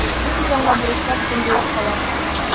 Бу сезонга бурычлар шундый ук кала.